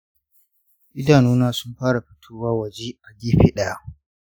idanun na sun fara fitowa waje a gefe ɗaya.